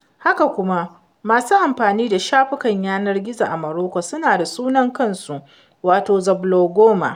Haka kuma, masu amfani da shafukan yanar gizo a Morocco suna da sunan kansu wato 'the Blogoma'